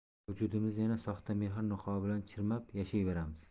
vujudimizni yana soxta mehr niqobi bilan chirmab yashayveramiz